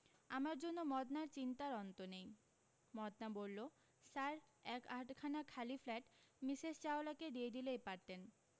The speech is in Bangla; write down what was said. আমার জন্য মদনার চিন্তার অন্ত নেই মদনা বললো স্যার এক আধখানা খালি ফ্ল্যাট মিসেস চাওলাকে দিয়ে দিলেই পারতেন